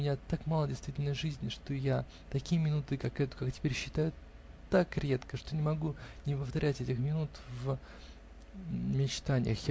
у меня так мало действительной жизни, что я такие минуты, как эту, как теперь, считаю так редко, что не могу не повторять этих минут в мечтаньях.